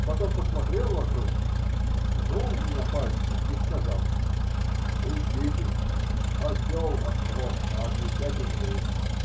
Потом посмотрел вокруг, ткнул в меня пальцем и сказал: -- Учитесь. Осел ослом, а отвечать умеет.